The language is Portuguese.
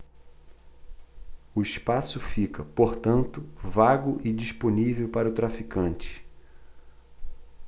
o espaço fica portanto vago e disponível para o traficante